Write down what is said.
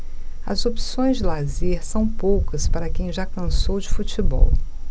as opções de lazer são poucas para quem já cansou de futebol